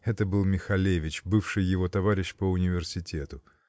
Это был Михалевич, бывший его товарищ по университету.